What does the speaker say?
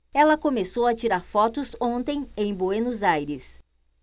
ela começou a tirar fotos ontem em buenos aires